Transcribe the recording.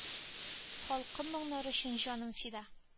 Халкым моңнары өчен җаным фида